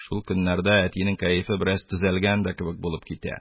Шул көннәрдә әтинең кәефе бераз төзәлгән дә кебек булып китә.